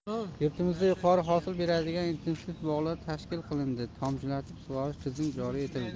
yurtimizda yuqori hosil beradigan intensiv bog'lar tashkil qilindi tomchilatib sug'orish tizimi joriy etildi